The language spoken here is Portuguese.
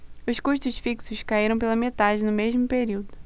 os custos fixos caíram pela metade no mesmo período